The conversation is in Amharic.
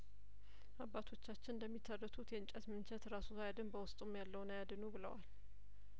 አባቶቻችን እንደሚተርቱት የእንጨት ምንቸት እራሱ አይድን በውስጡም ያለውን አያድኑ ብለዋል